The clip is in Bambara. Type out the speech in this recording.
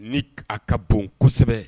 Ni a ka bon kosɛbɛ